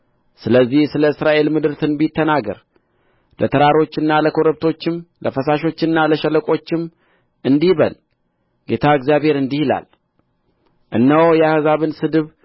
ስለዚህ ስለ እስራኤል ምድር ትንቢት ተናገር ለተራሮችና ለኮረብቶችም ለፈሳሾችና ለሸለቆችም እንዲህ በል ጌታ እግዚአብሔር እንዲህ ይላል እነሆ የአሕዛብን ስድብ